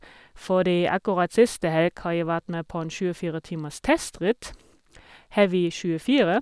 Fordi akkurat siste helg har jeg vært med på en tjuefiretimers testritt, Heavy 24.